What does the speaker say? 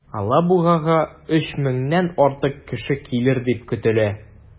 Алабугага 3 меңнән артык кеше килер дип көтелә.